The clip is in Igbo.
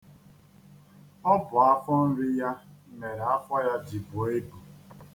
Ọ bụ afọ nri ya mere afọ ya ji buo ibu.